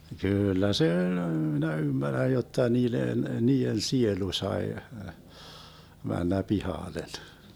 kyllä se oli minä ymmärrän jotta niiden niiden sielu sai mennä pihalle